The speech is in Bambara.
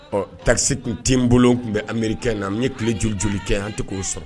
Ɔ tasi tun tɛ bolo tun bɛ anmeri kɛ na an tilele juru joli kɛ an tɛ'o sɔrɔ